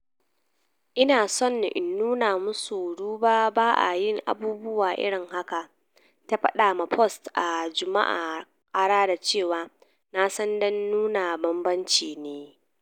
"Ina so in nuna musu, duba, ba’a yin abubuwa irin haka," ta fada ma Post a Jumma'a, kara da cewa "Na san don nuna bambanci ne."